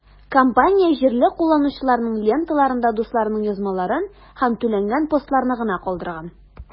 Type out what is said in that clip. Компания җирле кулланучыларның ленталарында дусларының язмаларын һәм түләнгән постларны гына калдырган.